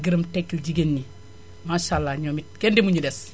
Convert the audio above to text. di gërëm tekkil jigéen ñi maasàllaa ñoom it kenn demul ñu des